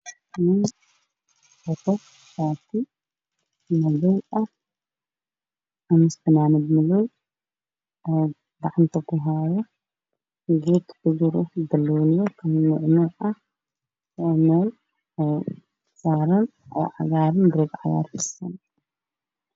Waa miss roog cagaaran saran yahay in ay agtaagan cusub madow wata oo gacanta wax ku hayo